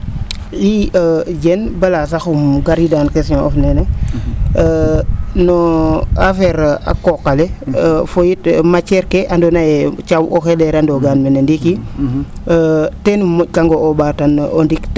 ii Diene baala sax um gariidaa question of nene na affaire a qooq ale fo it matiere ke andoona yee thiaw oxey leeranongaan mene ndiiki teen um mo?kang o ?aatan o ndik